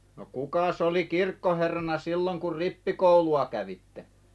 no kukas oli kirkkoherrana silloin kun rippikoulua kävitte